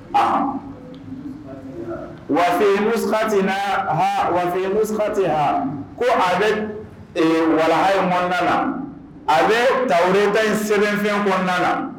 ko a bɛ walaha in kɔnɔ na a bɛ tawureta in sɛbɛn fɛn kɔnɔna na